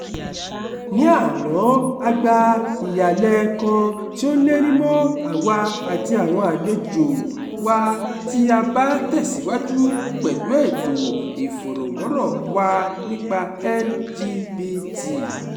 Ní àná, a gba ìhàlẹ̀ kan tí ó ń lérí mọ́ àwa àti àwọn àlejòo wa tí a bá tẹ̀síwajú pẹ̀lú ètò ìfọ̀rọ̀wọ́rọ̀ọ wa nípa LGBT.